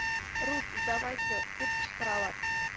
«рус, сдавайся!» — дип кычкыралар